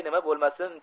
nima bo'lmasin